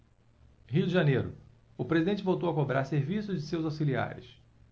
rio de janeiro o presidente voltou a cobrar serviço de seus auxiliares